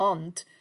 Ond